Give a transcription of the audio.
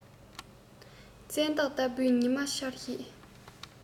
བཙན དུག ལྟ བུའི ཉི མ འཆར ཞེས